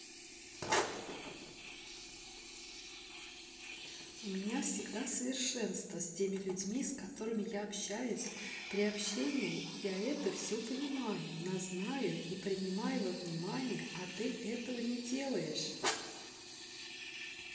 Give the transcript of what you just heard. у меня всегда совершенство с теми людьми с которыми я общаюсь при общении я это все понимаю назнаю и принимая во внимание а ты этого не делаешь